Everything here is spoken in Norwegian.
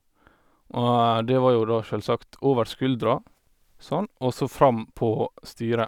Og det var jo da sjølsagt over skuldra, sånn, og så fram på styret.